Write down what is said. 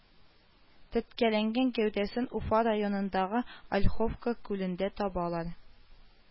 Теткәләнгән гәүдәсен уфа районындагы ольховка күлендә табалар